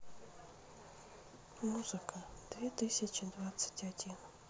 музыка две тысячи двадцать один